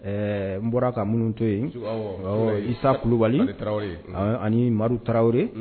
Ɛɛ n bɔra ka minnu to yen, Isa kulubali ani Madu tarawele